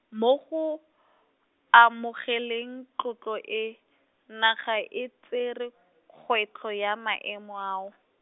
mo go, amogeleng tlotlo e, naga e tsere , kgwetlho ya maemo ao.